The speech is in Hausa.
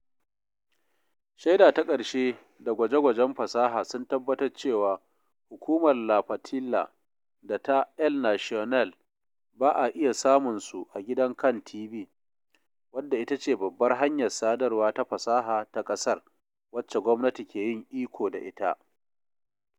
Shaida ta ƙarshe da gwaje-gwajen fasaha sun tabbatar cewa Hukumar La Patilla da ta El Nacional ba a iya samun su a gidan CANTV, wadda ita ce babbar hanyar sadarwa ta fasaha ta ƙasar, wacce gwamnati keyin iko da ita.